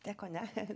det kan jeg .